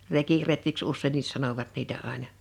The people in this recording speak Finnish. rekiretkiksi useinkin sanoivat niitä aina